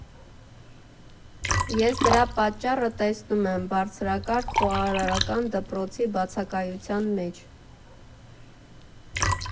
Ես դրա պատճառը տեսնում եմ բարձրակարգ խոհարարական դպրոցի բացակայության մեջ։